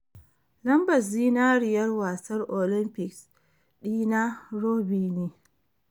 Lambar zinariyar wasar Olympics dina Robbie ne.”